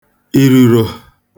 ìrùrò